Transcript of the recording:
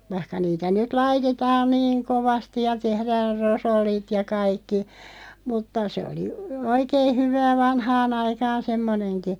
vaikka niitä nyt laitetaan niin kovasti ja tehdään rosollit ja kaikki mutta se oli oikein hyvää vanhaan aikaan semmoinenkin